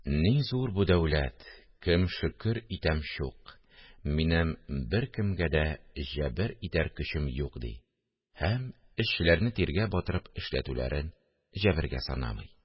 Ни зур бу дәүләт, кем – шөкер итәм чук: Минем беркемгә дә җәбер итәр көчем юк...! – ди һәм эшчеләрне тиргә батырып эшләтүләрен җәбергә санамый